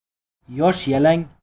yosh yalang